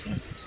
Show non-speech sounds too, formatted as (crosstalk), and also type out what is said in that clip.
(hesitation)